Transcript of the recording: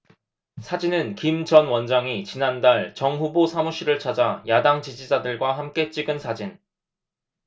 사진은 김 전 원장이 지난달 정 후보 사무실을 찾아 야당 지지자들과 함께 찍은 사진